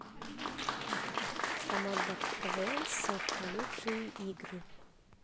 команда квн с okko лучшие игры